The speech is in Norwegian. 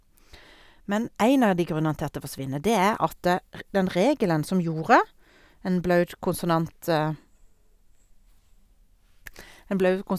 Men en av de grunnene til at det forsvinner, det er at r den regelen som gjorde en blaut konsonant en blaut kons...